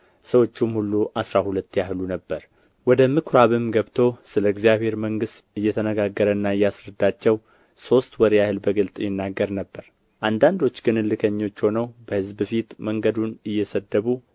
ሰዎቹም ሁሉ አሥራ ሁለት ያህሉ ነበር ወደ ምኵራብም ገብቶ ስለ እግዚአብሔር መንግሥት እየተነጋገረና እያስረዳቸው ሦስት ወር ያህል በግልጥ ይናገር ነበር አንዳንዶች ግን እልከኞች ሆነው በሕዝብ ፊት መንገዱን እየሰደቡ